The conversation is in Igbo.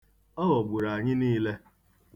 Ọ ghọgburu anyị niile.